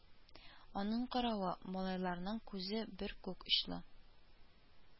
Аның каравы, малайларның күзе без күк очлы